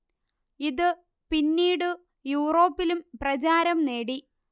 ഇതു പിന്നീടു യൂറോപ്പിലും പ്രചാരം നേടി